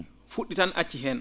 fu??i tan acci heen